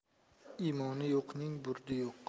imoni yo'qning burdi yo'q